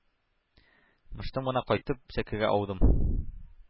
Мыштым гына кайтып, сәкегә аудым.